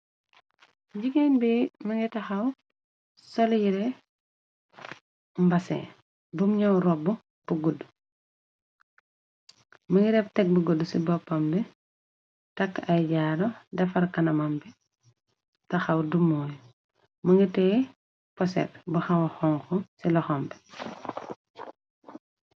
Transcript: Jigéen bi mugi taxaw sol yire mbasin bum ñoow robb bu, bu gudd mugeh def teg bu gudd ci boppam bi takka ay jaaru defar kana mam bi taxaw dumooyu mugi tee poset bu xawa xonxu ci loxum.